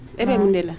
E bɛ mun de la